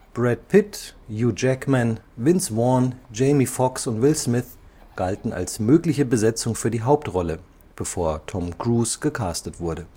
Brad Pitt, Hugh Jackman, Vince Vaughn, Jamie Foxx und Will Smith galten als mögliche Besetzung für die Hauptrolle, bevor Tom Cruise gecastet wurde